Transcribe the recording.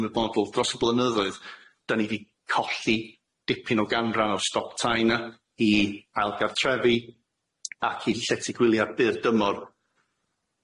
ymwybodol dros y blynyddoedd dan ni di colli dipyn o ganran o'r stop tai yna i ail gartrefi ac i llety gwyliau byr dymor.